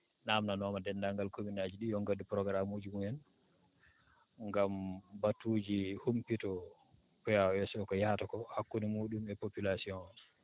namndanooma denndangal commune ŋaaji ɗi yo ngaddu programme uuji mumen ngam batuji humpitoo POAS oo ko yahata koo hakkunde muɗum e population o